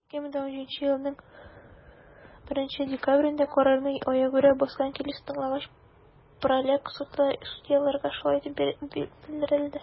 2017 елның 1 декабрендә, карарны аягүрә баскан килеш тыңлагач, праляк судьяларга шулай дип белдерде: